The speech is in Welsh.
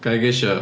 Ga i gesio.